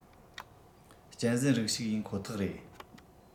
གཅན གཟན རིགས ཞིག ཡིན ཁོ ཐག རེད